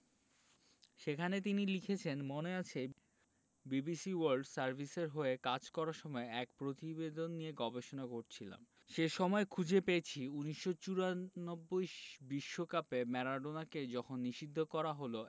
সেখানে তিনি লিখেছেন মনে আছে বিবিসি ওয়ার্ল্ড সার্ভিসের হয়ে কাজ করার সময় এক প্রতিবেদন নিয়ে গবেষণা করছিলাম সে সময় খুঁজে পেয়েছি ১৯৯৪ বিশ্বকাপে ম্যারাডোনাকে যখন নিষিদ্ধ করা হলো